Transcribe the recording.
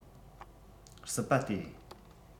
སྲིད པ སྟེ